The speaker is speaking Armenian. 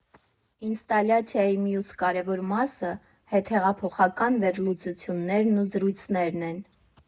Ինստալացիայի մյուս կարևոր մասը՝ հետհեղափոխական վերլուծություններն ու զրույցներն են.